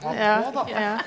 ja ja.